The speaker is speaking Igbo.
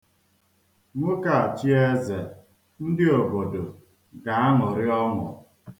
Nwoke a chie eze, ndị obodo ga-aṅụri ọṅụ.